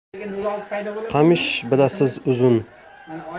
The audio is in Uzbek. qamish bilasiz uzun